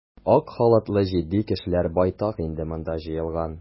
Ак халатлы җитди кешеләр байтак инде монда җыелган.